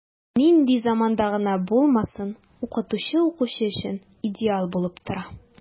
Нинди заманда гына булмасын, укытучы укучы өчен идеал булып тора.